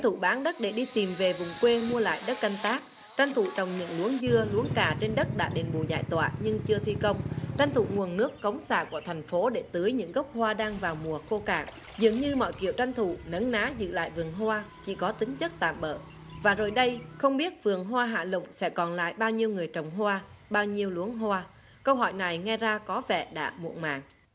thủ bán đất để đi tìm về vùng quê mua lại đất canh tác tranh thủ trồng những luống dưa luống cà trên đất đã đền bù giải tỏa nhưng chưa thi công tranh thủ nguồn nước cống xả của thành phố để tưới những gốc hoa đang vào mùa khô cả dường như mọi kiểu tranh thủ nấn ná giữ lại vườn hoa chỉ có tính chất tạm bợ và rồi đây không biết vườn hoa hạ lũng sẽ còn lại bao nhiêu người trồng hoa bao nhiêu luống hoa câu hỏi này nghe ra có vẻ đã muộn màng